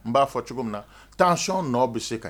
N ba fɔ cogo min na tentions nɔ bi se ka